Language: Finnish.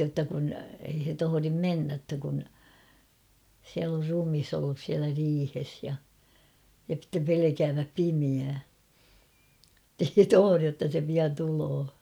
jotta kun ei he tohdi mennä että kun siellä on ruumis ollut siellä riihessä ja ja sitten pelkäävät pimeää että ei he tohdi jotta se pian tulee